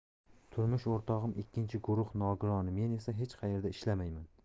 turmush o'rtog'im ikkinchi guruh nogironi men esa hech qayerda ishlamayman